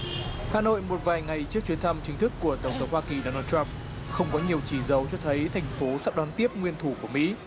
hà nội một vài ngày trước chuyến thăm chính thức của tổng thống hoa kỳ đô na trăm không có nhiều chỉ dấu cho thấy thành phố sắp đón tiếp nguyên thủ của mỹ